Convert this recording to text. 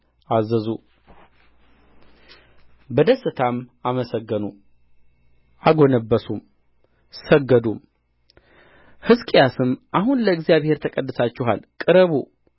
አዘዙ በደስታም አመሰገኑ አጐነበሱም ሰገዱም ሕዝቅያስም አሁን ለእግዚአብሔር ተቀድሳችኋል ቅረቡ መሥዋዕቱንና የምስጋናውን መሥዋዕት ወደ እግዚአብሔር ቤት አምጡ ብሎ ተናገረ ጉባኤውም